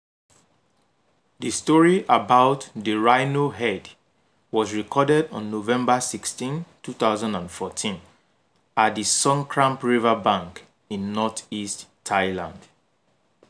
The story about the Rhino Head was recorded on November 16, 2014, at the Songkram River bank in northeast Thailand.